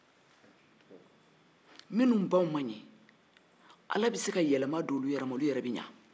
minnu baw man ɲi ala bɛ se ka yɛlɛma don olu ma k'u ɲɛ